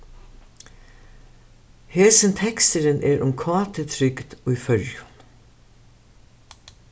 hesin teksturin er um kt-trygd í føroyum